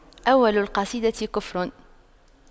أول القصيدة كفر